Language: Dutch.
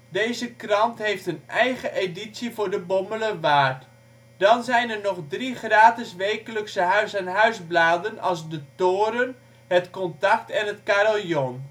Deze krant heeft een eigen editie voor de Bommelerwaard. Dan zijn er nog drie gratis wekelijkse huis-aan-huis bladen als de Toren, het Kontakt en de Het Carillon